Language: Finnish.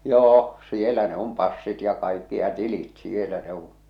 joo siellä ne on passit ja kaikki ja tilit siellä ne on